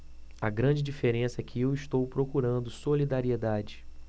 a grande diferença é que eu estou procurando solidariedade